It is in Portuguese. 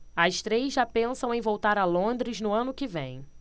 as três já pensam em voltar a londres no ano que vem